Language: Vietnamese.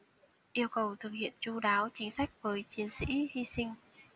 yêu cầu thực hiện chu đáo chính sách với chiến sĩ hi sinh